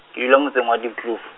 ke dula motseng wa Diepkloof.